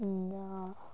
Na.